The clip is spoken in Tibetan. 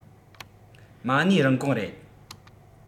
མ གནས རིན གོང རེད